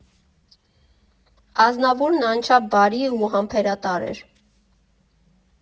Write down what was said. Ազնավուրն անչափ բարի ու համբերատար էր։